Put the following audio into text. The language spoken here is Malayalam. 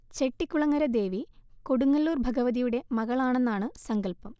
ചെട്ടികുളങ്ങര ദേവി കൊടുങ്ങല്ലൂർ ഭഗവതിയുടെ മകളാണെന്നാണു സങ്കല്പം